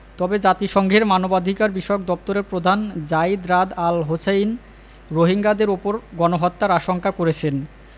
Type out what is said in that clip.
তবে জাতিসংঘের মানবাধিকারবিষয়ক দপ্তরের প্রধান যায়িদ রাদ আল হোসেইন রোহিঙ্গাদের ওপর গণহত্যার আশঙ্কা করেছেন